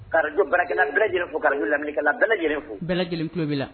Kaj barak bɛ lajɛlen fo kajo lam bɛɛ fo bɛɛ lajɛlen tulolo bɛ la